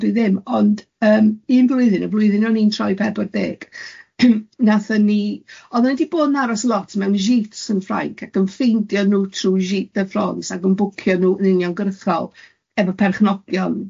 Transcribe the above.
Dwi ddim, ond yym un blwyddyn, y blwyddyn o'n i'n troi pedwar deg, wnaethon ni oedden ni di bod yn aros lot mewn jeets yn Ffrainc ac yn ffeindio nhw trwy jeets de France ac yn bwcio nhw yn uniongyrchol efo perchnogion,